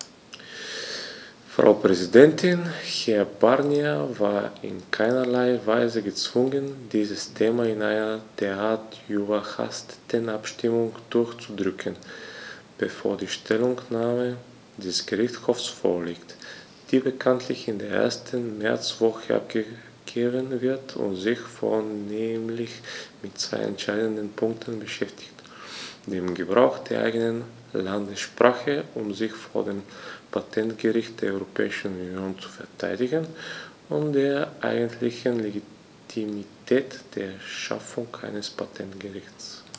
Frau Präsidentin, Herr Barnier war in keinerlei Weise gezwungen, dieses Thema in einer derart überhasteten Abstimmung durchzudrücken, bevor die Stellungnahme des Gerichtshofs vorliegt, die bekanntlich in der ersten Märzwoche abgegeben wird und sich vornehmlich mit zwei entscheidenden Punkten beschäftigt: dem Gebrauch der eigenen Landessprache, um sich vor dem Patentgericht der Europäischen Union zu verteidigen, und der eigentlichen Legitimität der Schaffung eines Patentgerichts.